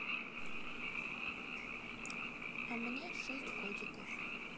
а мне шесть годиков